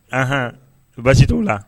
Hɔn basi t' u la